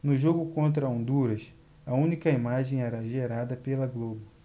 no jogo contra honduras a única imagem era gerada pela globo